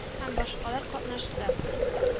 Һәм башкалар катнашты